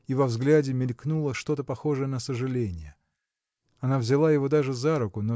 и во взгляде мелькнуло что-то похожее на сожаление. Она взяла его даже за руку